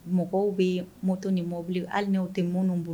Mɔgɔw bɛ mɔto ni mɔbili hali n'u tɛ minnu bolo